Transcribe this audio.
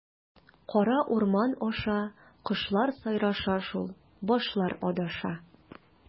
Кара урман аша, кошлар сайраша шул, башлар адаша.